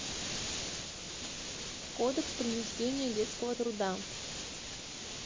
кодекс принуждения детского труда